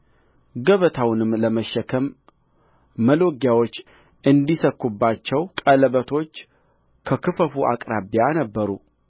ገበታውንም ለመሸከም መሎጊያዎቹ እንዲሰኩባቸው ቀለበቶች በክፈፉ አቅራቢያ ነበሩ